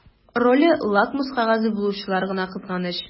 Роле лакмус кәгазе булучылар гына кызганыч.